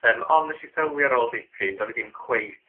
Yym on' nesh i sylwi ar ôl dipyn do'n i ddim cweit